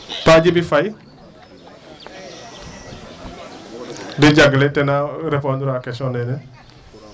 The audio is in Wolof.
paa Djibi Faye